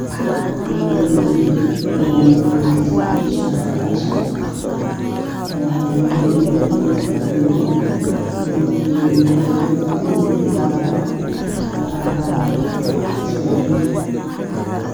Carwo lagu iibi funaanado iyo shaatiyaasha ilmo yar yar iyo dad waa wayn bo midabka waa buluug jaalo iyo cadaan